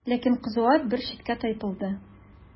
Ләкин кызу ат бер читкә тайпылды.